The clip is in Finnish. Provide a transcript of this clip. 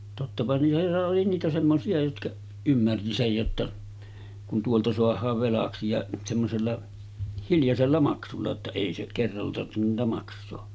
tottapa niitä oli niitä semmoisia jotka ymmärsi sen jotta kun tuolta saadaan velaksi ja semmoisella hiljaisella maksulla jotta ei se kerralla tarvinnut niitä maksaa